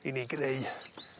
i ni greu